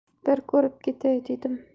bir ko'rib ketay dedim